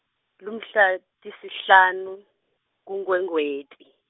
lumhla tisihlanu kuNkwekweti.